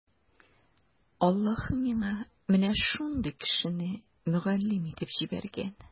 Аллаһы миңа менә шундый кешене мөгаллим итеп җибәргән.